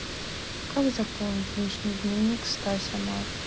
как заполнить личный дневник стася мар